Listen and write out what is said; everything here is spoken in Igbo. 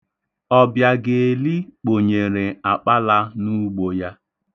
Ọbịageli kponyere akpala n'ugbo ya.